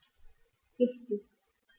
Richtig